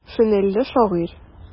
Шинельле шагыйрь.